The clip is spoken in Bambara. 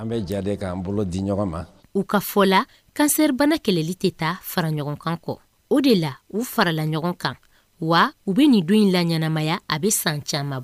An bɛ diya'an bolo di ɲɔgɔn u ka fɔ la kansɛribana kɛlɛli tɛ taa fara ɲɔgɔn kan kɔ o de la u farala ɲɔgɔn kan wa u bɛ nin don in la ɲɛnaanamaya a bɛ san caman